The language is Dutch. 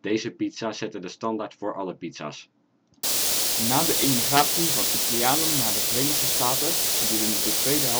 Deze pizza zette de standaard voor alle pizza 's. Na de emigratie van Italianen naar de Verenigde Staten gedurende de tweede